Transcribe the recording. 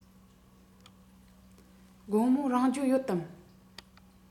དགོང མོ རང སྦྱོང ཡོད དམ